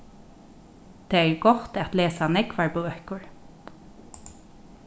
tað er gott at lesa nógvar bøkur